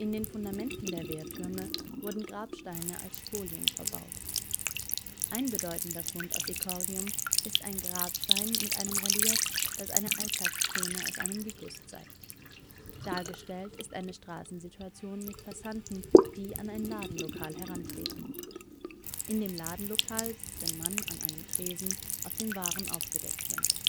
den Fundamenten der Wehrtürme wurden Grabsteine als Spolien verbaut. Ein bedeutender Fund aus Icorigium ist ein Grabstein mit einem Relief, das eine Alltagsszene aus einem vicus zeigt. Dargestellt ist eine Straßensituation mit Passanten, die an ein Ladenlokal herantreten. In dem Ladenlokal sitzt ein Mann an einem Tresen, auf dem Waren aufgedeckt sind